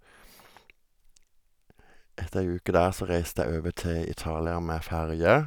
Etter ei uke der så reiste jeg over til Italia med ferje.